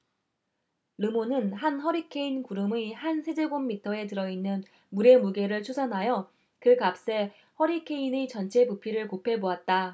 르몬은 한 허리케인 구름의 한 세제곱미터에 들어 있는 물의 무게를 추산하여 그 값에 허리케인의 전체 부피를 곱해 보았다